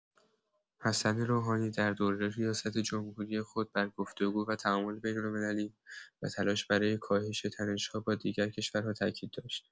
حسن روحانی در دوره ریاست‌جمهوری خود بر گفت‌وگو و تعامل بین‌المللی و تلاش برای کاهش تنش‌ها با دیگر کشورها تأکید داشت.